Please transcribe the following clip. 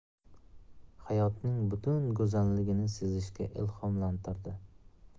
hayotning butun go'zalligini sezishga ilhomlantirdi